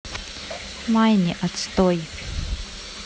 майни отстой